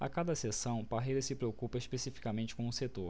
a cada sessão parreira se preocupa especificamente com um setor